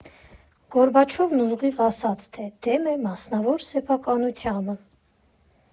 Գորբաչովն ուղիղ ասաց, թե դեմ է մասնավոր սեփականությանը։